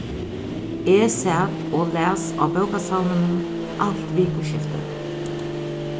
eg sat og las á bókasavninum alt vikuskiftið